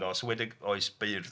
'Wedig oes beirdd.